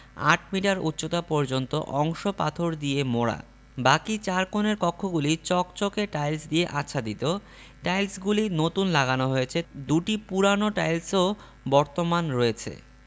আট মিটার উচ্চতা পর্যন্ত অংশ পাথর দিয়ে মোড়া বাকি চার কোণের কক্ষগুলি চকচকে টাইলস দিয়ে আচ্ছাদিত টাইলসগুলি নতুন লাগানো হয়েছে দুটি পুরানো টাইলসও বর্তমান রয়েছে